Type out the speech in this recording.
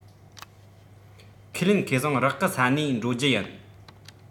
ཁས ལེན ཁེ བཟང རག གི ས གནས འགྲོ རྒྱུ ཡིན